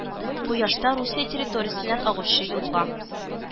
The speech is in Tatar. Куяшта Русия территориясеннән агучы елга